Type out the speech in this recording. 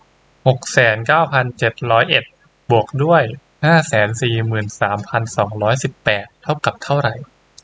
หกแสนเก้าพันเจ็ดร้อยเอ็ดบวกด้วยห้าแสนสี่หมื่นสามพันสองร้อยสิบแปดเท่ากับเท่าไร